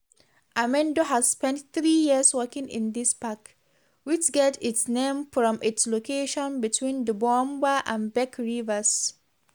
Amendo has spent three years working in this park, which gets its name from its location between the Boumba and Bek rivers.